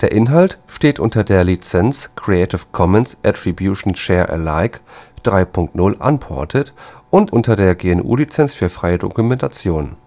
Inhalt steht unter der Lizenz Creative Commons Attribution Share Alike 3 Punkt 0 Unported und unter der GNU Lizenz für freie Dokumentation